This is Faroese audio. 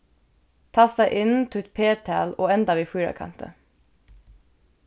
tasta inn títt p-tal og enda við fýrakanti